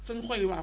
seen xoy yi waaw